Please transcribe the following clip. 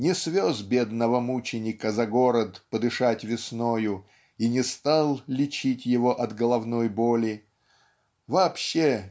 не свез бедного мученика за город подышать весною и не стал лечить его от головной боли. Вообще